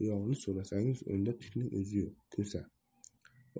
uyog'ini so'rasangiz unda tukning o'zi yo'q ko'sa